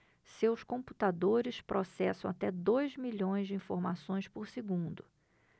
seus computadores processam até dois milhões de informações por segundo